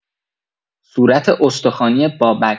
صورت استخوانی بابک